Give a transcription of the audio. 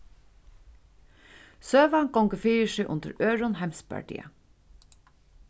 søgan gongur fyri seg undir øðrum heimsbardaga